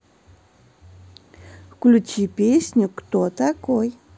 включи песню кто такой